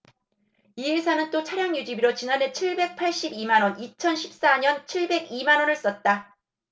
이 회사는 또 차량유지비로 지난해 칠백 팔십 이 만원 이천 십 사 년 칠백 이 만원을 썼다